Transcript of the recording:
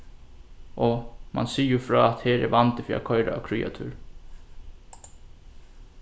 og mann sigur frá at her er vandi fyri at koyra á kríatúr